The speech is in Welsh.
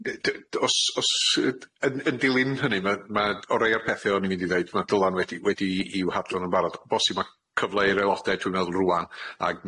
Dy- dy- os os yy yn yn dilyn hynny ma' ma' o rei o'r pethe o'n i'n mynd i ddeud ma' dylan wedi wedi i i'w hadron yn barod bosib ma' cyfle i'r aelode dwi'n meddwl rŵan ag